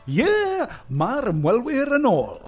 Ie, ma'r ymwelwyr yn ôl.